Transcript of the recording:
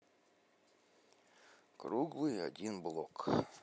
круглый один блок